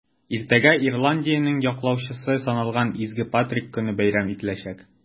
Иртәгә Ирландиянең яклаучысы саналган Изге Патрик көне бәйрәм ителәчәк.